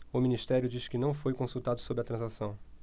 o ministério diz que não foi consultado sobre a transação